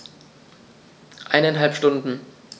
Eineinhalb Stunden